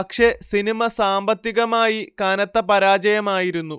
പക്ഷേ സിനിമ സാമ്പത്തികമായി കനത്ത പരാജയമായിരുന്നു